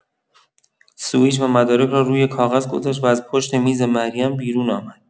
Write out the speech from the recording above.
سوئیچ و مدارک را روی کاغذ گذاشت و از پشت میز مریم بیرون آمد.